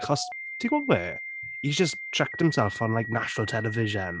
Achos, ti’n gwybod be? He’s just chucked himself on like, national television.